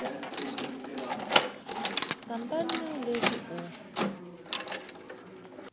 скандальная леди у